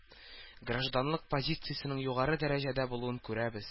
Гражданлык позициясенең югары дәрәҗәдә булуын күрәбез